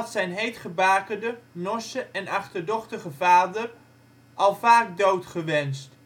zijn heetgebakerde, norse en achterdochtige vader al vaak dood gewenst